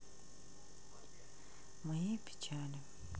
мои печали